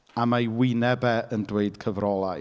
A mae ei wyneb e yn dweud cyfrolau.